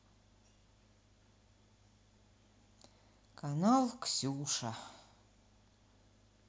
канал ксюша